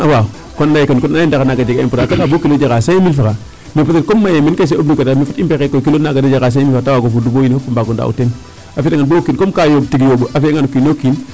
A waa kon ande yee ndaxar naaga a jega importance a retaanga bo kilo jaraa cinq mille francs mais peut etre comme mayee meen koy c' est obligatoire i mbexey koy kilo naaga na jaraa cinq mille francs ta waag o fudu koy fop a mbaag o ndaaw teen a fi'aa comme kaa yooɓ tig yooɓ a fi'angaan o kiin o kiin.